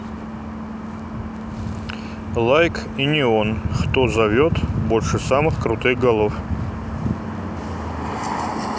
лайк и neon кто зовет больше самых крутых голов